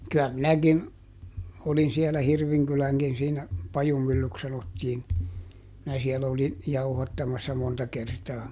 kyllä minäkin olin siellä Hirvinkylänkin siinä Pajumyllyksi sanottiin minä siellä olin jauhattamassa monta kertaa